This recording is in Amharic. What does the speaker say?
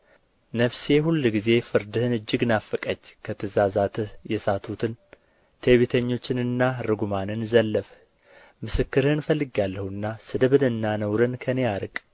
ነፍሴ ሁልጊዜ ፍርድህን እጅግ ናፈቀች ከትእዛዛትህ የሳቱትን ትዕቢተኞችንና ርጉማንን ዘለፍህ ምስክርህን ፈልጌአለሁና ስድብንና ነውርን ከእኔ አርቅ